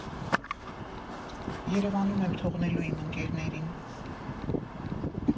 Երևանում եմ թողնելու իմ ընկերներին։